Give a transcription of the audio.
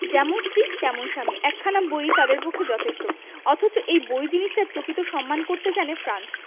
যেমন স্ত্রী তেমন স্বামী একখানা বই ই তাদের পক্ষে যথেষ্ট অথচ এই বই জিনিসটার প্রকৃত সম্মান করতে জানে ফ্রান্স